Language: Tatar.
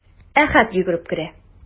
Әхәт йөгереп керә.